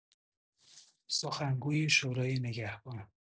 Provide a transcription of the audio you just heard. سخنگوی شورای نگهبان